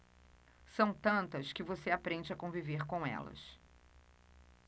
são tantas que você aprende a conviver com elas